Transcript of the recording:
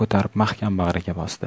ko'tarib mahkam bag'riga bosdi